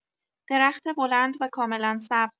درخت بلند و کاملا سبز